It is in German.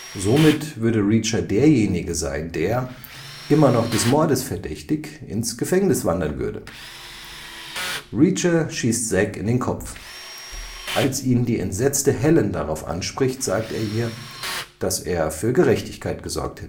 Somit würde Reacher derjenige sein, der – immer noch des Mordes verdächtig – ins Gefängnis wandern würde. Reacher schießt Zec in den Kopf. Als ihn die entsetzte Helen darauf anspricht, sagte er ihr, dass er für Gerechtigkeit gesorgt